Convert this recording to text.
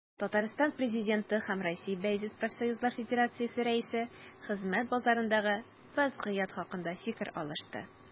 Татарстан Президенты һәм Россия Бәйсез профсоюзлар федерациясе рәисе хезмәт базарындагы вәзгыять хакында фикер алышты.